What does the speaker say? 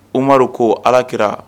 O amadu ko alakira